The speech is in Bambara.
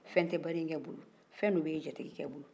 fɛ tɛ baden kɛ bolo fɛ tun bɛ ye fɔlo fɛ dun b'i jajɛ kɛ bolo